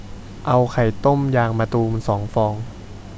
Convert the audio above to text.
เอาไข่ต้มยางมะตูมสองฟอง